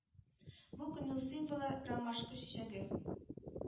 Бу көннең символы - ромашка чәчәге